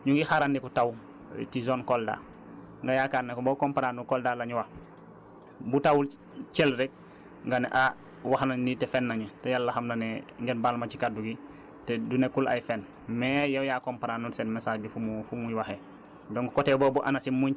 mën nga nekk fii Thiel ñu ne la ñu ngi xaarandi taw ci zone Kolda nga yaakaar ne boo comprendre lul Kolda la ñu wax bu tawul Thiel rekk nga ne ah wax nañ nii te fen nañu te Yàlla xam na ne ngeen baal ma ci kàddu gi te nekkul ay fen mais yow yaa komparàndul seen message bi fu mu fu muy waxee